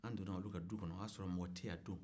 an dɔnna olu ka du kɔnɔ o y'a sɔrɔ mɔgɔ tɛ yen a don